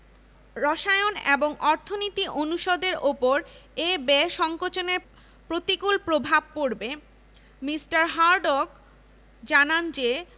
১৯৪৭ সালে ভারত বিভাগের পর ঢাকা বিশ্ববিদ্যালয়ের কর্মকান্ডে পরিবর্তন আসে